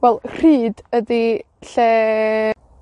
Wel, rhyd ydi lle